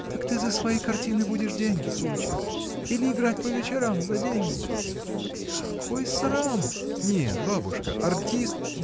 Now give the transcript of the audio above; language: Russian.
— Так ты за свои картины будешь деньги получать или играть по вечерам за деньги?. Какой срам! — Нет, бабушка, артист.